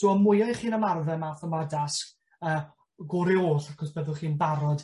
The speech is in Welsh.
So y mwya 'ych chi'n ymarfer math yma o dasg yy gore oll acos byddwch chi'n barod